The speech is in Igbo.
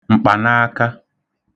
m̀kpànaaka